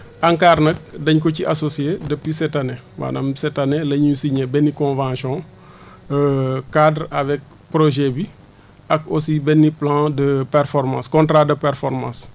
ANCAR nag dañ ko ci associé depuis cette année maanaam cette année la ñu signé benn convention cadre avec projet bi ak aussi benn plan de performance contrat de performance